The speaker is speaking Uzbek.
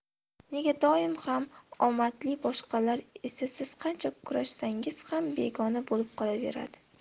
nega doim ham omadli boshqalari esa siz qancha kurashsangiz ham begona bo'lib qolaveradi